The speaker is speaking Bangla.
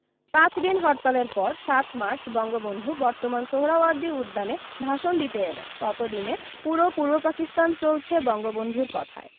পাঁচদিন হরতালের পর ৭ মার্চ বঙ্গবন্ধু বর্তমান সোহরাওয়ার্দী উদ্যানে ভাষণ দিতে এলেন ততদিনে পুরো পূর্ব পাকিস্তান চলছে বঙ্গবন্ধুর কথায়